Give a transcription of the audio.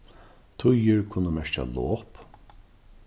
tíðir kunnu merkja lop